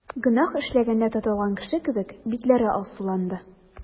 Гөнаһ эшләгәндә тотылган кеше кебек, битләре алсуланды.